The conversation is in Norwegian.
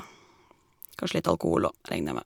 Kanskje litt alkohol òg, regner jeg med.